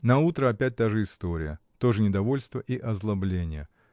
Наутро опять та же история, то же недовольство и озлобление.